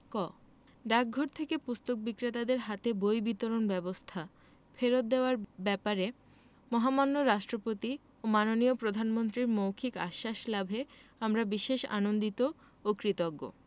ক ডাকঘর থেকে পুস্তক বিক্রেতাদের হাতে বই বিতরণ ব্যবস্থা ফেরত দেওয়ার ব্যাপারে মহামান্য রাষ্ট্রপতি ও মাননীয় প্রধানমন্ত্রীর মৌখিক আশ্বাস লাভে আমরা বিশেষ আনন্দিত ও কৃতজ্ঞ